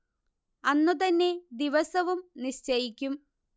അന്നുതന്നെ ദിവസവും നിശ്ചയിക്കും